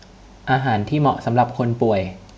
อาหารที่เหมาะสำหรับคนป่วย